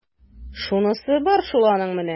Шунысы бар шул аның менә! ..